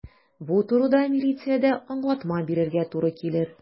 Бу турыда милициядә аңлатма бирергә туры килер.